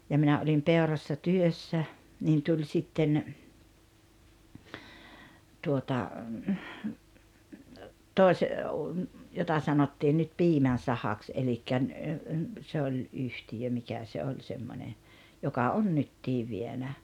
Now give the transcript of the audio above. ja minä olin Peurassa työssä niin tuli sitten tuota - jota sanottiin nyt Piimän sahaksi eli - se oli yhtiö mikä se oli semmoinen joka on nytkin vienyt